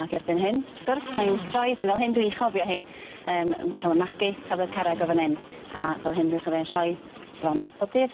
Ag erbyn hyn wrth gwrs mae'n troi, 'dyn fel hyn dwi'n chofio hi yym m- ca'l y magu tafliadd carreg o fan hyn a fel hyn dwi'n chofio hi'n troi bron bob dydd.